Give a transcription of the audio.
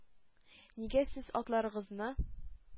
-нигә сез атларыгызны